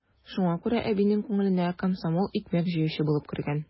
Шуңа күрә әбинең күңеленә комсомол икмәк җыючы булып кергән.